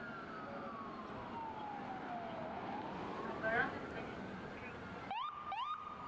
Թանգարան էլ կլինի։